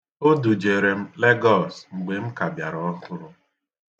O dujere m Legọs mgbe m ka bịara ọhụrụ.